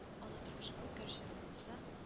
Аны тормышка үткәрүчеләрдән булса